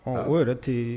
Ɔ o yɛrɛ ten yen